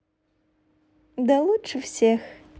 да лучше всех